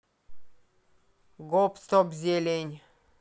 гоп стоп зелень